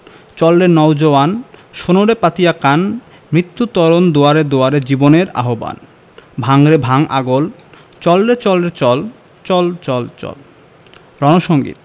চল রে নও জোয়ান শোন রে পাতিয়া কান মৃত্যু তরণ দুয়ারে দুয়ারে জীবনের আহবান ভাঙ রে ভাঙ আগল চল রে চল রে চল চল চল চল রন সঙ্গীত